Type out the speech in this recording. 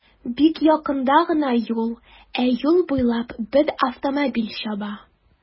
Бик якында гына юл, ә юл буйлап бер автомобиль чаба.